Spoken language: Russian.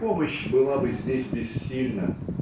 помощь была бы здесь бессильна.